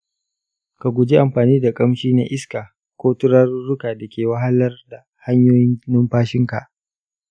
ka guji amfani da ƙamshi na iska ko turaruka da ke wahalar hanyoyin numfashinka.